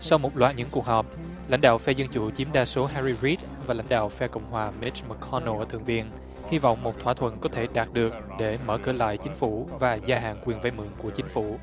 sau một loạt những cuộc họp lãnh đạo phe dân chủ chiếm đa số ha ry rít và lãnh đạo phe cộng hòa mít măc con nồ ở thượng viện hy vọng một thỏa thuận có thể đạt được để mở cửa lại chính phủ và gia hạn quyền vay mượn của chính phủ